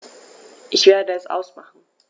Ich werde es ausmachen